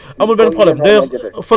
waa léegi après mu wax contact yi rekk